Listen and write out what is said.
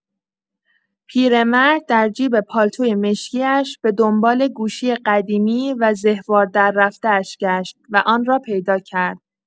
پیرمرد در جیب پالتوی مشکی‌اش به‌دنبال گوشی قدیمی و زهوار در رفته‌اش گشت و آن را پیدا کرد.